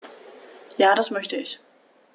Ja, das möchte ich.